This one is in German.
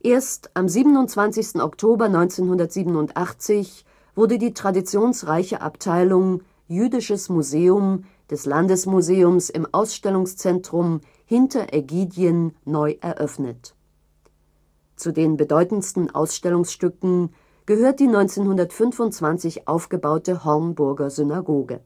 Erst am 27. Oktober 1987 wurde die traditionsreiche Abteilung " Jüdisches Museum " des Landesmuseums im Ausstellungszentrum Hinter Aegidien neu eröffnet. Zu den bedeutendsten Ausstellungsstücken gehört die 1925 aufgebaute Hornburger Synagoge